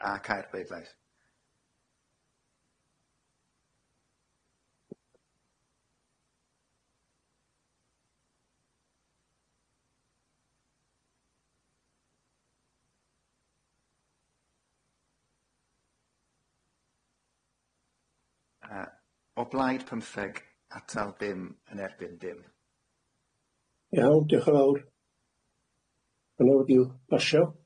A cau'r bleidlais. O blaid, pymtheg. Atal, d- dim. Iawn, diolch yn fawr. Hwnna wedi'i basio.